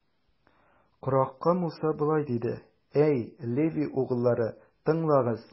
Корахка Муса болай диде: Әй Леви угыллары, тыңлагыз!